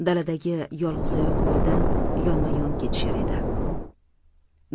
daladagi yolg'izoyoq yo'ldan yonma yon ketishar edi